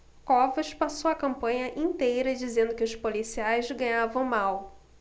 covas passou a campanha inteira dizendo que os policiais ganhavam mal